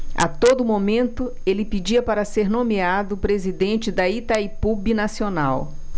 a todo momento ele pedia para ser nomeado presidente de itaipu binacional